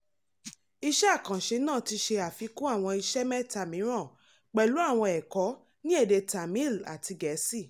Iṣẹ́ àkànṣe náà ti ṣe àfikún àwọn iṣẹ́ mẹ́ta mìíràn, pẹ̀lú àwọn ẹ̀kọ́ ní èdè Tamil àti Gẹ̀ẹ́sì.